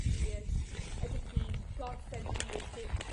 periods. Ydych chi 'di gorffen periods chi?